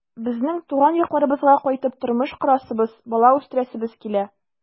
Безнең туган якларыбызга кайтып тормыш корасыбыз, бала үстерәсебез килә.